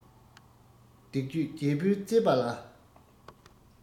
སྡིག སྤྱོད རྒྱལ པོས གཙེས པ ལ